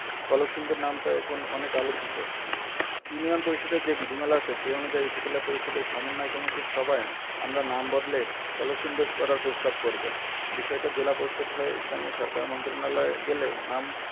কলসিন্দুর নামটা এখন অনেক আলোচিত ইউনিয়ন পরিষদের যে বিধিমালা আছে সে অনুযায়ী উপজেলা পরিষদের সমন্বয় কমিটির সভায় আমরা নাম বদলে কলসিন্দুর করার প্রস্তাব করব বিষয়টা জেলা পরিষদ হয়ে স্থানীয় সরকার মন্ত্রণালয়ে গেলে নাম